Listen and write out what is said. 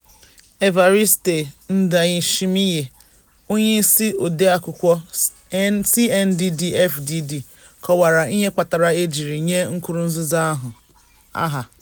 Evariste Ndayishimiye, onyeisi odeakwụkwọ CNDD-FDD kọwara ihe kpatara e jiri nye Nkurunziza aha ahụ: